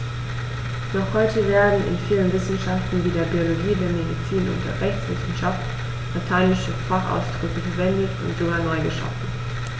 Noch heute werden in vielen Wissenschaften wie der Biologie, der Medizin und der Rechtswissenschaft lateinische Fachausdrücke verwendet und sogar neu geschaffen.